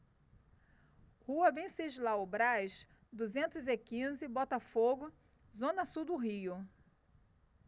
rua venceslau braz duzentos e quinze botafogo zona sul do rio